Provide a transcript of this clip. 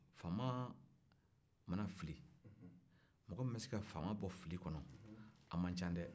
fama mana fili mɔgɔ min bɛ se ka fama bɔ fili kɔnɔ